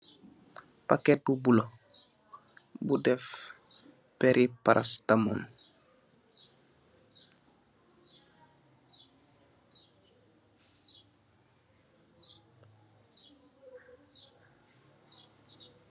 Packet bu buleu bu def peri paracetamol